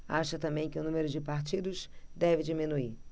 acha também que o número de partidos deve diminuir